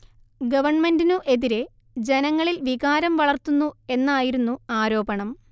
ഗവണ്മെന്റിനു എതിരെ ജനങ്ങളിൽ വികാരം വളർത്തുന്നു എന്നായിരുന്നു ആരോപണം